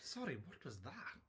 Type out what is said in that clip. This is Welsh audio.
Sori, what was that?